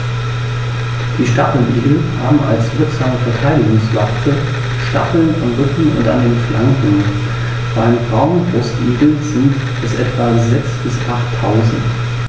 Die Stacheligel haben als wirksame Verteidigungswaffe Stacheln am Rücken und an den Flanken (beim Braunbrustigel sind es etwa sechs- bis achttausend).